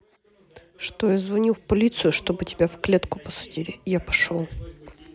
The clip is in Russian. что я звоню в полицию чтобы тебя в клетку посадили я пошел